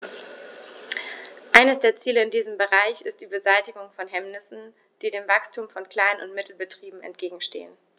Eines der Ziele in diesem Bereich ist die Beseitigung von Hemmnissen, die dem Wachstum von Klein- und Mittelbetrieben entgegenstehen.